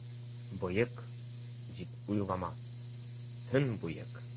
Боек, дип уйлама, төнбоек!